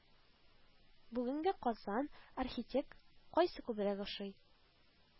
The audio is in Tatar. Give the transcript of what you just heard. Бүгенге Казан, архитек- кайсы күбрəк ошый